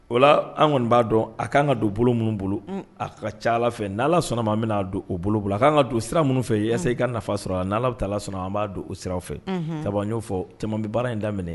Wala an kɔni b'a dɔn a k'an ka don bolo minnu bolo a ka ca ala fɛ n' ala sɔnna ma bɛna don o bolo bolo k'an ka don sira minnu fɛ yen isa i ka nafa sɔrɔ yan n' bɛ taa sɔrɔ an b'a don o sira fɛ cɛba y'o fɔ cɛman baara in da minɛ